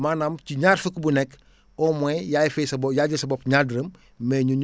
maanaam ci ñaar fukk bu nekk au moins yaay fay sa bo yaa jël sa bopp ñaar dërëm mais ñun ñu